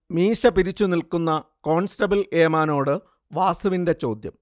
മീശ പിരിച്ചു നിൽക്കുന്ന കോൺസ്റ്റബിൾ ഏമാനോട് വാസുവിന്റെ ചോദ്യം